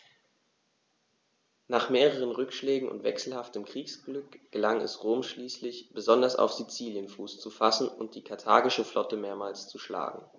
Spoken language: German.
Nach mehreren Rückschlägen und wechselhaftem Kriegsglück gelang es Rom schließlich, besonders auf Sizilien Fuß zu fassen und die karthagische Flotte mehrmals zu schlagen.